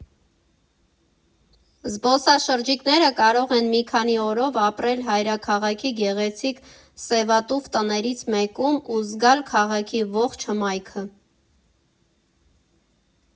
Զոբսաշրջիկները կարող են մի քանի օրով ապրել հայրաքաղաքի գեղեցիկ սևատուֆ տներից մեկում ու զգալ քաղաքի ողջ հմայքը։